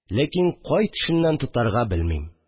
Ләкин кай төшеннән тотарга белмим